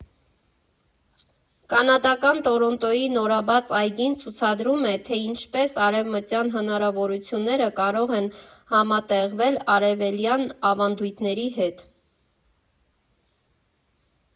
Կանադական Տորոնտոյի նորաբաց այգին ցուցադրում է, թե ինչպես արևմտյան հնարավորությունները կարող են համատեղվել արևելյան ավանդույթների հետ։